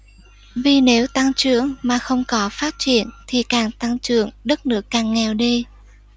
vì nếu tăng trưởng mà không có phát triển thì càng tăng trưởng đất nước càng nghèo đi